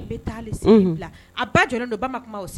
Bɛ taa bila a ba jɔ don ba ma kuma b'